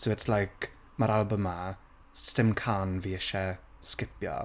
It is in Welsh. So it's like, ma''r album 'ma, sdim cân fi isie sgipio.